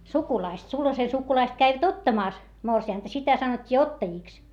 sukulaiset sulhasen sukulaiset kävivät ottamassa morsianta sitä sanottiin ottajiksi